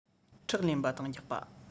ཁྲག ལེན པ དང རྒྱག པ